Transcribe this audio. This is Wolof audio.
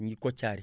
ñu ngi Kotiari